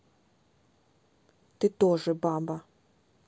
ты тоже баба